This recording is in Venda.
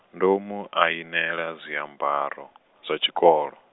ndo mu ainela zwiambaro, zwa tshikolo.